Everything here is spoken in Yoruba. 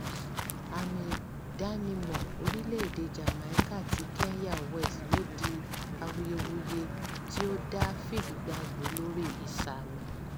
Ààmì ìdánimọ̀ orílẹ̀ èdèe Jamaica tí Kanye West lò di awuyewuye tí ó dá fìrìgbagbòó lórí ìsààmì'